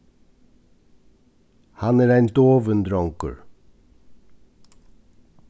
hann er ein dovin drongur